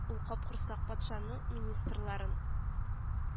Ул капкорсак патшаның министрларын